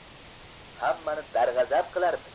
hammani darg'azab qilarmish